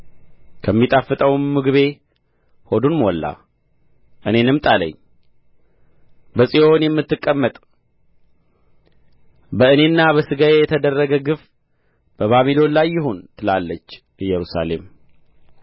ከሚጣፍጠውም ምግቤ ሆዱን ሞላ እኔንም ጣለኝ በጽዮን የምትቀመጥ በእኔና በሥጋዬ የተደረገ ግፍ በባቢሎን ላይ ይሁን ትላለች ኢየሩሳሌምም